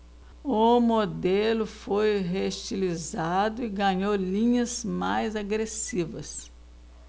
o modelo foi reestilizado e ganhou linhas mais agressivas